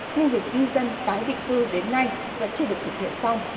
nhưng việc di dân tái định cư đến nay vẫn chưa được thực hiện xong